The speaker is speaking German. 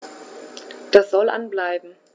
Das soll an bleiben.